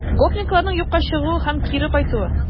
Гопникларның юкка чыгуы һәм кире кайтуы